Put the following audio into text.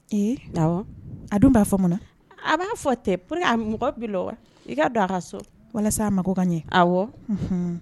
Ee, awɔ, a dun b'a fɔ munna, a b'a fɔ tɛ pour que a mɔgɔ bi lɔ wa i ka don a ka so. Walasa a mako ka ɲɛ, awɔ, unhunn